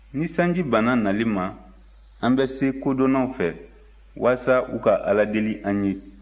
ni sanji banna nali ma an bɛ se kodɔnnaw fɛ walasa u ka ala deli an ye